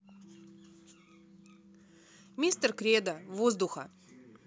мистер кредо воздуха